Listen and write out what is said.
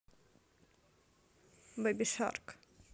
baby shark